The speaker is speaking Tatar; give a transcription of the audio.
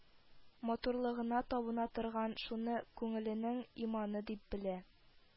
Матурлыгына табына торган, шуны күңеленең иманы дип белә